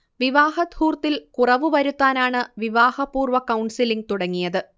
വിവാഹധൂർത്തിൽ കുറവ് വരുത്താനാണ് വിവാഹപൂർവ്വ കൗൺസിലിങ് തുടങ്ങിയത്